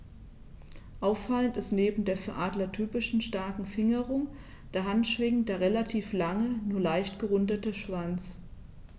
Auffallend ist neben der für Adler typischen starken Fingerung der Handschwingen der relativ lange, nur leicht gerundete Schwanz.